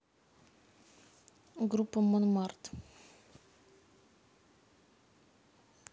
группа monmart